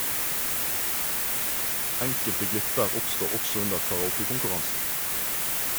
Enkelte glipper oppstod også under karaoke-konkurransen.